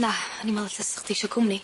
Na o'n i'n me'wl ella sa chdi isio cwmni.